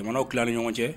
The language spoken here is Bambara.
Jamanaw tila ni ɲɔgɔn cɛ